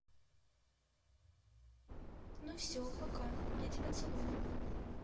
ну все пока я тебя целую